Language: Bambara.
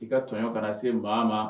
I ka tɔɲɔn ka se maa ma